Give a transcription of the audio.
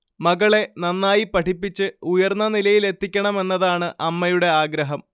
മകളെ നന്നായി പഠിപ്പിച്ച് ഉയർന്ന നിലയിലെത്തിക്കണമെന്നതാണ് അമ്മയുടെ ആഗ്രഹം